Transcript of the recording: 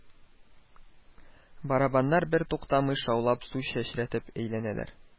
Барабаннар бертуктамый шаулап су чәчрәтеп әйләнәләр